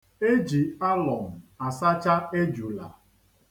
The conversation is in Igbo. E ji alọm asacha ejula.